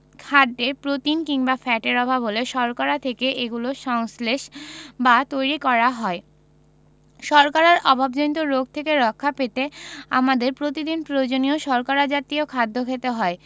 খাদ্যে প্রোটিন কিংবা ফ্যাটের অভাব হলে শর্করা থেকে এগুলো সংশ্লেষ বা তৈরী করা হয় শর্করার অভাবজনিত রোগ থেকে রক্ষা পেতে আমাদের প্রতিদিন প্রয়োজনীয় শর্করা জাতীয় খাদ্য খেতে হয়